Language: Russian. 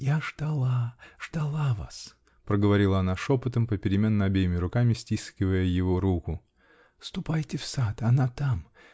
-- Я ждала, ждала вас, -- проговорила она шепотом, попеременно обеими руками стискивая его руку. -- Ступайте в сад; она там.